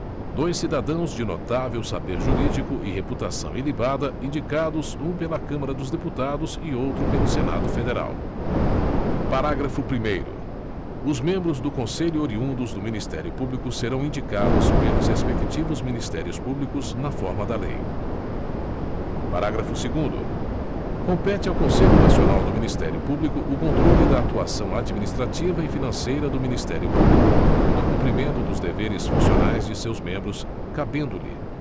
dois cidadãos de notável saber jurídico e reputação ilibada indicados um pela câmara dos deputados e outro pelo senado federal parágrafo primeiro os membros do conselho oriundos do ministério público serão indicados pelos respectivos ministérios públicos na forma da lei parágrafo segundo compete ao conselho nacional do ministério público o controle da atuação administrativa e financeira do ministério público e do cumprimento dos deveres funcionais de seus membros cabendo lhe